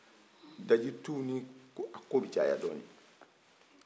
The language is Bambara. dajituw ni a kow bi caya dɔni